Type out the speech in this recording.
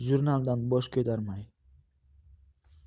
jurnaldan bosh ko'tarmay